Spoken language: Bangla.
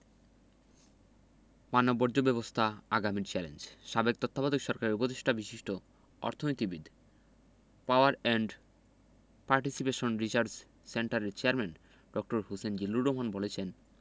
মানববর্জ্য ব্যবস্থাপনা আগামীর চ্যালেঞ্জ সাবেক তত্ত্বাবধায়ক সরকারের উপদেষ্টা বিশিষ্ট অর্থনীতিবিদ পাওয়ার অ্যান্ড পার্টিসিপেশন রিসার্চ সেন্টারের চেয়ারম্যান ড হোসেন জিল্লুর রহমান বলেছেন